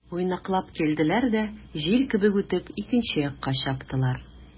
Уйнаклап килделәр дә, җил кебек үтеп, икенче якка чаптылар.